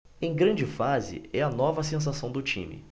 em grande fase é a nova sensação do time